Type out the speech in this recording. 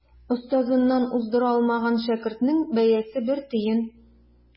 Остазыннан уздыра алмаган шәкертнең бәясе бер тиен.